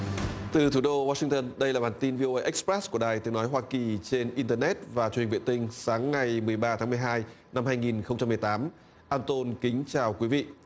từ thủ đô goa sinh tơn đây là bản tin vi ô ây ích rét của đài tiếng nói hoa kỳ trên in tơ nét và truyền vệ tinh sáng ngày mười ba tháng mười hai năm hai nghìn không trăm mười tám an tôn kính chào quý vị